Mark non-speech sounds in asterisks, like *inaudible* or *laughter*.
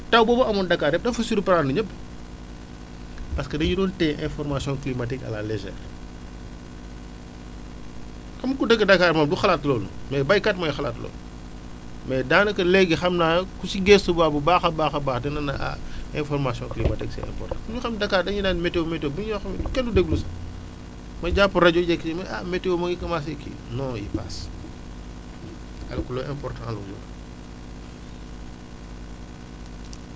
taw boobu amoon Dakar yëpp dafa surprendre ñëpp parce que dañu doon téye information climatique à la légère xam nga ku dëkk Dakar moom du xalaat loolu mais béykat mooy xalaat loolu mais daanaka léegi xam naa ku si gestu bu baax a baax a baax dana ne ah *breath* information *noise* climatique c' est *noise* important ñu xam Dakar dañuy naan météo météo bu ñuy wax *noise* kenn du déglu sax mooy jàpp rajo jékki-jékki mu ne ah météo moo ngi commencé kii non il *noise* passe alors que lu important la noonu